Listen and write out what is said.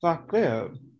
Exactly.